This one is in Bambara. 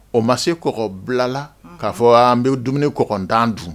O ma se kɔbilala k'a fɔ an bɛ dumuni kɔd dun